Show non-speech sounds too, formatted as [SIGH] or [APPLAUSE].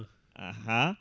[HESITATION] [HESITATION]